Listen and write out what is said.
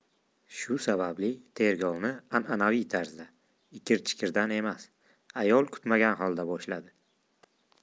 shu sababli tergovni an'anaviy tarzda ikir chikirdan emas ayol kutmagan holda boshladi